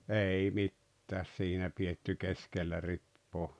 ei mitään siinä pidetty keskellä ripaa